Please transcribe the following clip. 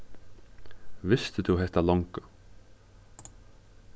visti tú hetta longu